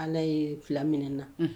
Ala ye fila min na